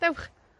Dewch!